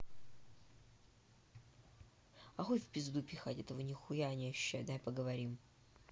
а хуй в пизду пихать этого нихуя не ощущать дай поговорим